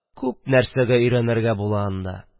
Күп нәрсәгә өйрәнергә була монда...